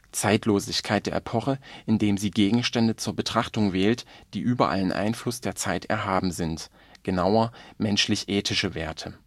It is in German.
Zeitlosigkeit der Epoche, indem sie Gegenstände zur Betrachtung wählt, die „ über allen Einfluss der Zeiten erhaben “sind, genauer menschlich-ethische Werte